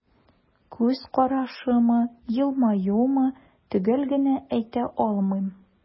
Күз карашымы, елмаюмы – төгәл генә әйтә алмыйм.